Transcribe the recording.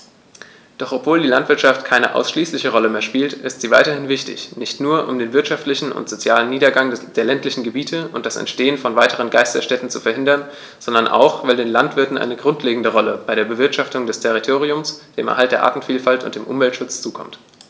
Doch obwohl die Landwirtschaft keine ausschließliche Rolle mehr spielt, ist sie weiterhin wichtig, nicht nur, um den wirtschaftlichen und sozialen Niedergang der ländlichen Gebiete und das Entstehen von weiteren Geisterstädten zu verhindern, sondern auch, weil den Landwirten eine grundlegende Rolle bei der Bewirtschaftung des Territoriums, dem Erhalt der Artenvielfalt und dem Umweltschutz zukommt.